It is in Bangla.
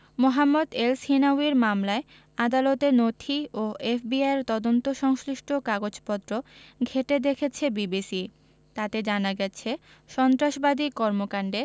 মোহাম্মদ এলসহিনাউয়ির মামলায় আদালতের নথি ও এফবিআইয়ের তদন্ত সংশ্লিষ্ট কাগজপত্র ঘেঁটে দেখেছে বিবিসি তাতে জানা গেছে সন্ত্রাসবাদী কর্মকাণ্ডে